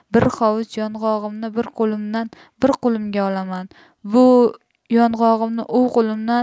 bir hovuch yong'og'imni u qo'limdan bu qo'limga olaman